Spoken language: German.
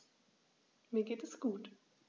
Mir geht es gut.